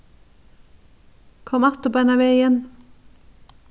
kom aftur beinanvegin